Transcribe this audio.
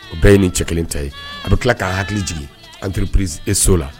U bɛɛ ye ni cɛ kelen ta ye, a bɛ tila ka hakili jigin entreprise Sow la